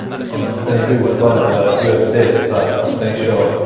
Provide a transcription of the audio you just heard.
ond 'dan ni'n byw ar y blaned fel a'r diwedd y dydd a os 'dan ni isio